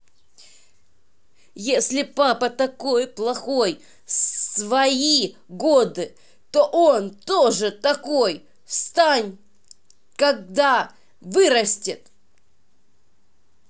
если папа такой плохие свои годы то она тоже такой стань когда вырастет